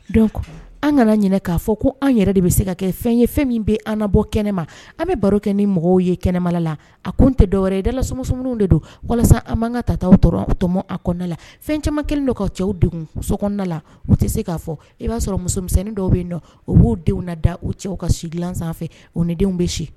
Don an kana ɲininka k'a fɔ ko an yɛrɛ de bɛ se ka kɛ fɛn ye fɛn min bɛ an bɔ kɛnɛma an bɛ baro kɛ ni mɔgɔw ye kɛnɛmala la a kun tɛ dɔwɛrɛ ye dala somuso minnu de don walasa an'an ka taa tɔmɔ a kɔnɔna la fɛn camanma kelen dɔ ka cɛw de sokɔnɔ la u tɛ se k'a fɔ i b'a sɔrɔ musomisɛnnin dɔw bɛ yen dɔn o b'o denw na da u cɛw ka si dilan sanfɛ o ni denw bɛ si